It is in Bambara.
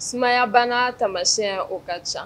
Sumayabana tamasiyɛn o ka ca